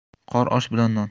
qor osh bilan non